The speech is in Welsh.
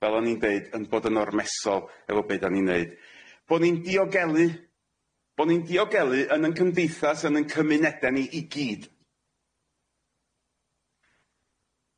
fel o'n i'n deud yn bod yn ormesol efo be' 'dan ni'n neud. Bo ni'n diogelu bo ni'n diogelu yn 'yn cymdeithas yn 'yn cymunede ni i gyd.